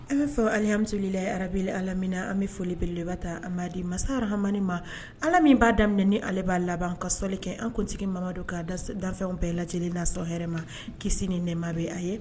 An b'a fɔ alihamililila ararabe ala min na an bɛ folibeleba ta a madi masara hamamani ma ala min b'a daminɛ ni ale b'a laban ka sɔli kɛ an tuntigi mama don ka danfɛnw bɛɛ lajɛlen nasɔrɔ hɛrɛ ma kisi ni nɛma bɛ a ye